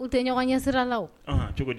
U tɛ ɲɔgɔn ɲɛ sira la o ,unhun cogo di